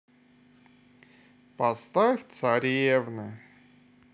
поставь царевны